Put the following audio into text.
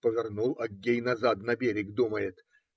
Повернул Аггей назад на берег, думает